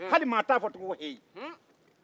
hali m'a t'a fɔ tugun ko heyi